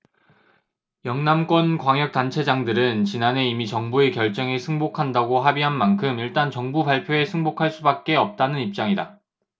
영남권 광역단체장들은 지난해 이미 정부의 결정에 승복한다고 합의한 만큼 일단 정부 발표에 승복할 수밖에 없다는 입장이다